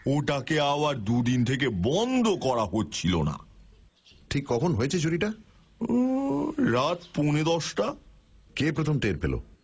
ওটাকে আবার দুদিন থেকে বন্ধ করা হচ্ছিল না ঠিক কখন হয়েছে চুরিটা রাত পৌনে দশটা কে প্রথম টের পেল